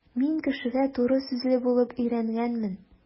Мин кешегә туры сүзле булып өйрәнгәнмен.